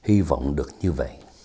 hy vọng được như